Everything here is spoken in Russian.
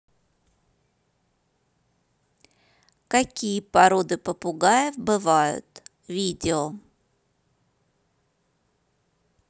какие породы попугаев бывают видео